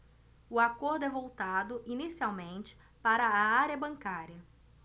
o acordo é voltado inicialmente para a área bancária